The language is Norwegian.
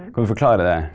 kan du forklare det?